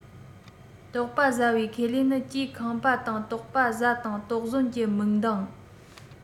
དོགས པ ཟ བའི ཁས ལེན ནི གྱིས ཁེངས པ དང དོགས པ ཟ དང དོགས ཟོན གྱི མིག མདངས